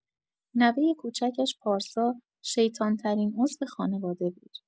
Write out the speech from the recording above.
نوۀ کوچکش پارسا، شیطان‌ترین عضو خانواده بود.